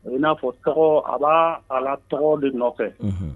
O ye i n'a fɔ tɔgɔ a baa a la tɔgɔ de nɔfɛ unhun